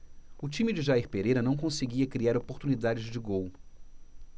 o time de jair pereira não conseguia criar oportunidades de gol